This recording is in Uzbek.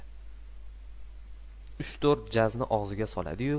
uch to'rt jazni og'ziga soladi yu